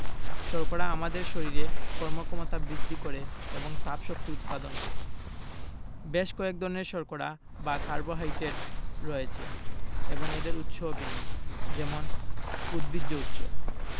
শর্করা আমাদের শরীরে কর্মক্ষমতা বৃদ্ধি করে এবং তাপশক্তি উৎপাদন করে বেশ কয়েক ধরনের শর্করা বা কার্বোহাইড্রেট রয়েছে এবং এদের উৎসও ভিন্ন যেমন উদ্ভিজ্জ উৎস